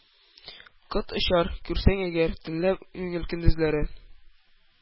Кот очар, күрсәң әгәр, төнлә түгел — көндезләре.